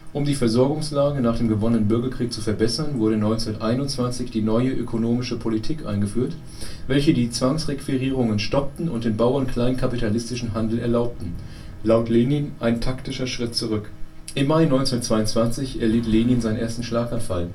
Um die Versorgungslage nach dem gewonnenen Bürgerkrieg zu verbessern, wurde 1921 die „ Neue Ökonomische Politik “eingeführt, welche die Zwangsrequirierungen stoppten und den Bauern kleinkapitalistischen Handel erlaubte - laut Lenin ein „ taktischer Schritt zurück “. Im Mai 1922 erlitt Lenin seinen ersten Schlaganfall